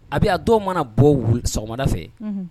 Abi a dɔw mana bɔ sɔgɔmada fɛ